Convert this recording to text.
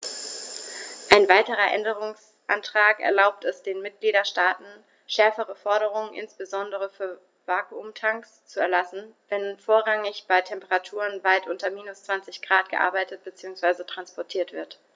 Ein weiterer Änderungsantrag erlaubt es den Mitgliedstaaten, schärfere Forderungen, insbesondere für Vakuumtanks, zu erlassen, wenn vorrangig bei Temperaturen weit unter minus 20º C gearbeitet bzw. transportiert wird.